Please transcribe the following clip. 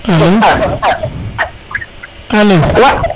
alo alo